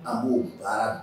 A ko baara